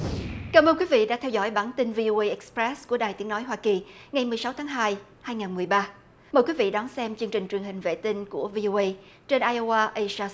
cảm ơn quý vị đã theo dõi bản tin vi ô ây ịch rét của đài tiếng nói hoa kỳ ngày mười sáu tháng hai hai ngàn mười ba mời quý vị đón xem chương trình truyền hình vệ tinh của vi ô ây trên ai eo oa ây sa